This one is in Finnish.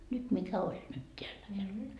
nyt mikä oli nyt täällä -